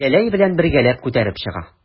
Җәләй белән бергәләп күтәреп чыга.